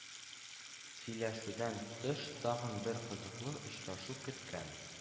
Сөйләшүдән тыш, тагын бер кызыклы очрашу көткән